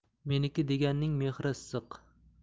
meniki deganning mehri issiq